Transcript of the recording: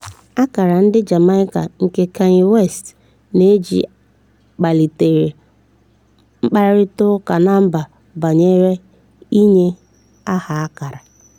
Ákàrà ndị Jamaica nke Kanye West na-eji kpalitere mkparịtaụka na mba banyere inye aha ákàrà'